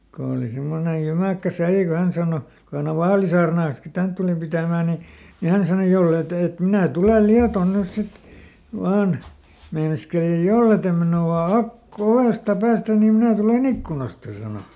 kun oli semmoinen jymäkkä sälli kun hän sanoi kun hän oli vaalisaarnaansakin tänne tullut pitämään niin niin hän sanoi jos ei te että että minä tulen Lietoon nyt sitten vain meinaskeli ja jos ei te minua - ovesta päästä niin minä tulen ikkunasta sanoi